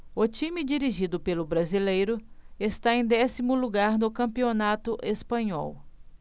o time dirigido pelo brasileiro está em décimo lugar no campeonato espanhol